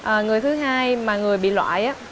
à người thứ hai mà người bị loại á